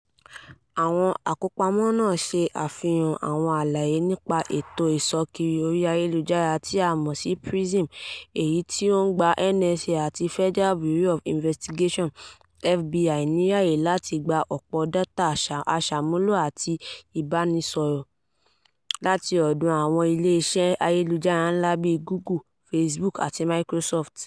Àwọn àkópamọ́ náà ṣe àfihàn àwọn àlàyé nípa ètò ìṣọ́kiri orí Ayélujára tí a mọ̀ sí PRISM, èyí tí ó ń gba NSA àti Federal Bureau of Investigation (FBI) ní àyè láti gba ọ̀pọ̀ dátà aṣàmúlò àti ìbánisọ̀rọ̀ láti ọ̀dọ̀ àwọn ilé-iṣẹ́ Ayélujára ńlá bíi Google, Facebook, àti Microsoft.